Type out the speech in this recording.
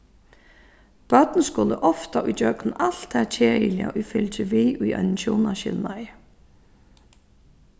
børn skulu ofta ígjøgnum alt tað keðiliga ið fylgir við í einum hjúnaskilnaði